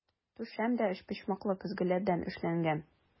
Түшәм дә өчпочмаклы көзгеләрдән эшләнгән.